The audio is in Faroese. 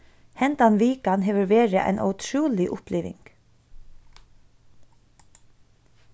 hendan vikan hevur verið ein ótrúlig uppliving